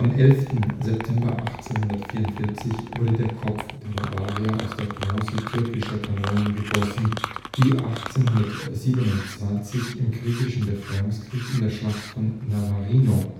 11. September 1844 wurde der Kopf der Bavaria aus der Bronze türkischer Kanonen gegossen, die 1827 im griechischen Befreiungskrieg in der Schlacht von Navarino